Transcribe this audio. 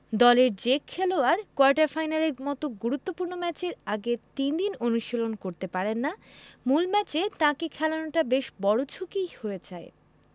দলের যে খেলোয়াড় কোয়ার্টার ফাইনালের মতো গুরুত্বপূর্ণ ম্যাচের আগে তিন দিন অনুশীলন করতে পারেন না মূল ম্যাচে তাঁকে খেলানোটা বেশ বড় ঝুঁকিই হয়ে যায়